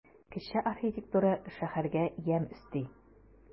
Кече архитектура шәһәргә ямь өсти.